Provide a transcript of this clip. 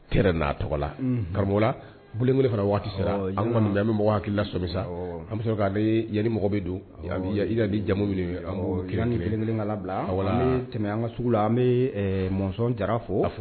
N'a tɔgɔ la karamɔgɔ lakelen fara waati sera kɔni bɛ lasɔmi sa an bɛ k' yanani mɔgɔ bɛ don ili jamu minnu kira nikelen ka tɛmɛ an ka sugu la an bɛ mɔnzɔn jara fo